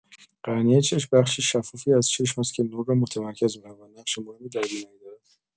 قرنیه چشم بخش شفافی از چشم است که نور را متمرکز می‌کند و نقش مهمی در بینایی دارد.